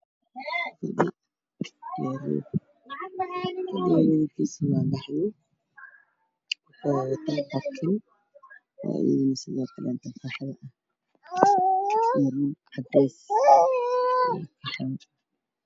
Waa qol waxaa yaal fadhiisa yahay dahabi daahman darbe caddaan ayaa la